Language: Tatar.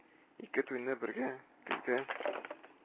Ике туйны бергә көзгә